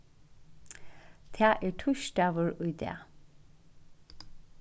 tað er týsdagur í dag